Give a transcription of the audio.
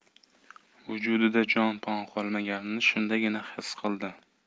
vujudida jon pon qolmaganini shundagina xis qildi